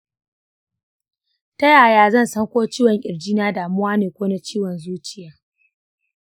ta yaya zan san ko ciwon kirjina damuwa ne ko na ciwon zuciya?